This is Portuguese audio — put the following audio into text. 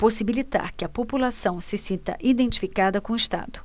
possibilitar que a população se sinta identificada com o estado